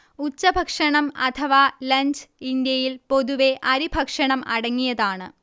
ഉച്ചഭക്ഷണം അഥവ ലഞ്ച് ഇന്ത്യയിൽ പൊതുവെ അരിഭക്ഷണം അടങ്ങിയതാണ്